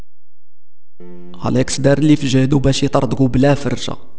عليك صدر لي في جيد وبسيط وبلا فرصه